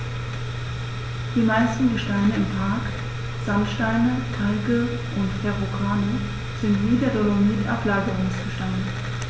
Die meisten Gesteine im Park – Sandsteine, Kalke und Verrucano – sind wie der Dolomit Ablagerungsgesteine.